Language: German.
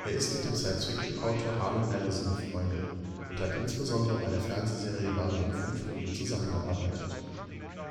Er ist mit dem Science Fiction-Autor Harlan Ellison befreundet und hat insbesondere bei der Fernsehserie Babylon 5 mit ihm zusammengearbeitet.